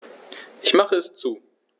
Ich mache es zu.